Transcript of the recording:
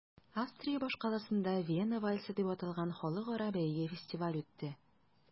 Австрия башкаласында “Вена вальсы” дип аталган халыкара бәйге-фестиваль үтте.